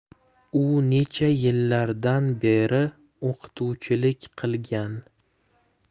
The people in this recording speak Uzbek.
u necha yillardan beri o'qituvchilik qilgan